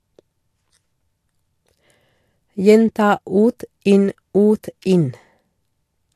Gjenta ut, inn, ut, inn.